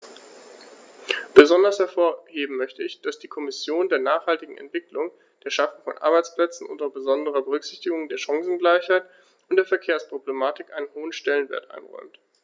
Besonders hervorheben möchte ich, dass die Kommission der nachhaltigen Entwicklung, der Schaffung von Arbeitsplätzen unter besonderer Berücksichtigung der Chancengleichheit und der Verkehrsproblematik einen hohen Stellenwert einräumt.